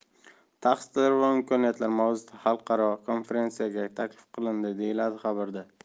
tahdidlar va imkoniyatlar mavzusidagi xalqaro konferensiyaga taklif qilindi deyiladi xabarda